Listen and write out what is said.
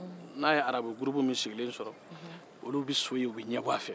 n'a ye arabu gurupu min sigilen sɔrɔ olu bɛ so ye u bɛ ɲɛbɔ a fɛ